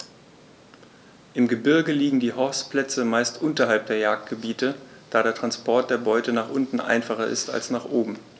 Im Gebirge liegen die Horstplätze meist unterhalb der Jagdgebiete, da der Transport der Beute nach unten einfacher ist als nach oben.